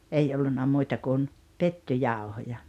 ei ollut muita kuin pettujauhoja